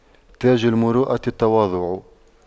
تاج المروءة التواضع